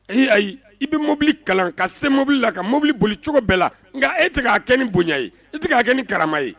Ayi ayi i bɛ mobili kalan ka se mobili la ka mobili boli cogo bɛɛ la nka e tɛ' kɛ ni bonya ye i tɛ' kɛ ni kara ye